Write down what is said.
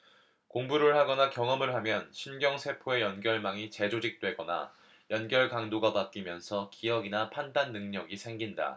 공부를 하거나 경험을 하면 신경세포의 연결망이 재조직되거나 연결 강도가 바뀌면서 기억이나 판단 능력이 생긴다